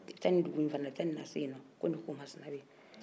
taa nin dugu in fana na i bɛ taa lase yen ko nin ko masina bɛ yen